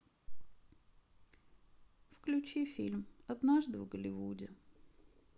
включи фильм однажды в голливуде